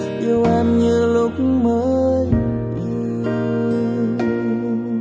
yêu em như lúc mới yêu